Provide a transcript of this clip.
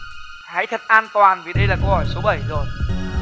hãy thật an toàn vì đây là câu hỏi số bảy rồi